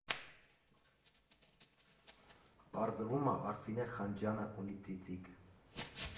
Պարզվում ա, Արսինե Խանջյանը ունի ծիծիկ։